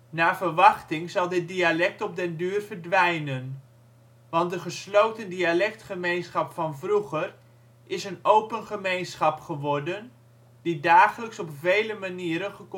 Naar verwachting zal dit dialect op den duur verdwijnen. Want de gesloten dialectgemeenschap van vroeger is een open gemeenschap geworden, die dagelijks op vele manieren